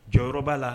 Jɔyɔrɔ b'a la